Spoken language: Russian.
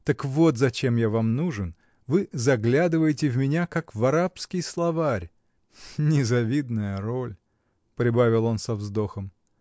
Так вот зачем я вам нужен: вы заглядываете в меня, как в арабский словарь. Незавидная роль! — прибавил он со вздохом.